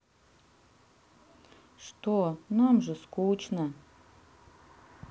что нам же скучно